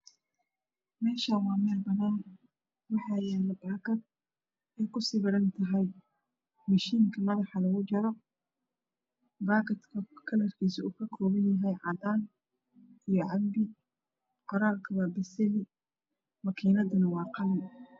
Meshaan waa meel paan waxaa yala paakad ey ku sawiran tahy mashiinka madaxa lgu jaro paakadku kalarkiisu uu kakoopan yahy cadaan iyo canbo qoraalku wa basli makiinaduno waa cadaan